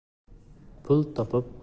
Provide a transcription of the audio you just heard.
pul topib aql